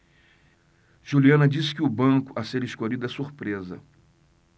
juliana disse que o banco a ser escolhido é surpresa